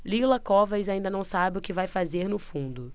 lila covas ainda não sabe o que vai fazer no fundo